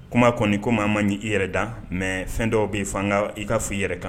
Kuma kɔni ko maa ma ni i yɛrɛ da mɛ fɛn dɔw bɛ fanga i ka f' i yɛrɛ kan